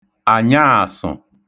ànyaàṡụ̀